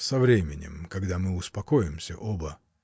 со временем, когда мы успокоимся оба.